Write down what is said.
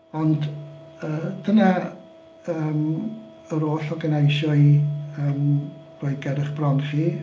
Ond yy dyna yym yr holl oedd gynna i isio i yym roi ger eich bron chi.